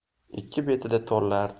obkashda suv ko'tarib